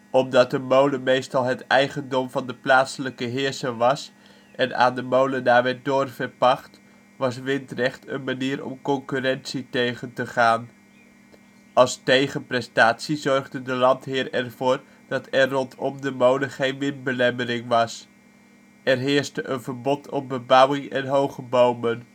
Omdat een molen meestal het eigendom van de plaatselijke heerser was en aan de molenaar werd doorverpacht, was windrecht een manier om concurrentie tegen te gaan. Als tegenprestatie zorgde de landheer ervoor dat er rondom de molen geen windbelemmering was. Er heerste een verbod op bebouwing en hoge bomen